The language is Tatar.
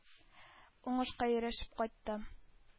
Уңышка ирешеп кайтты.